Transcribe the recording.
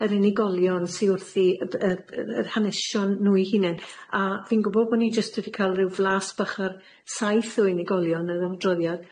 Yr unigolion sydd wrthi yy d- yy yr yr hanesion nw'i hunen, a fi'n gwbo bo' ni jyst wedi ca'l ryw flas bach o'r saith o unigolion yr adroddiad.